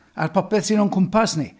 A'r popeth sy o'n cwmpas ni.